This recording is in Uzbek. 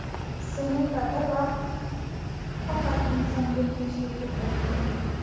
seneka bir vaqt faqat insonga tegishli deb aytgan edi